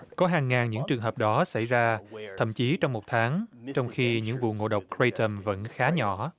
có hàng ngàn những trường hợp đó xảy ra thậm chí trong một tháng trong khi những vụ ngộ độc phờ rây tầm vẫn khá nhỏ